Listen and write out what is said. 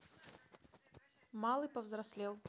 малый повзрослел